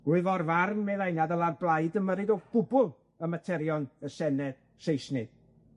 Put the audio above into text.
Rwyf o'r farn meddai na ddyla'r blaid ymyrryd o gwbwl ym materion y Senedd Saesnig,